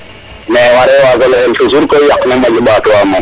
mais ware wago ne el toujours koy yaq ne moƴo mbaat wa moom